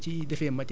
li dugg kay day dem